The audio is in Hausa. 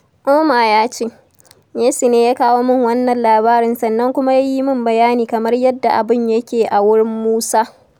Ouma ya ce, Yesu ne ya kawo min wannan labarin sannan kuma ya yi min bayani kamar yadda abun yake a wurin Musa.